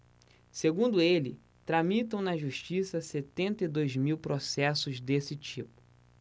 segundo ele tramitam na justiça setenta e dois mil processos desse tipo